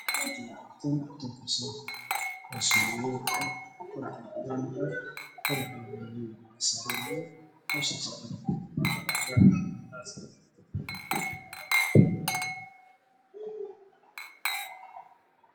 Waa koob kafee ama shaah kor cadan ah